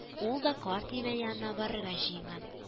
Ул да карт имән янына барырга җыенган